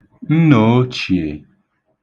nnòōchìè